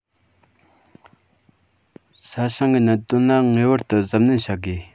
ས ཞིང གི གནད དོན ལ ངེས པར དུ གཟབ ནན བྱ དགོས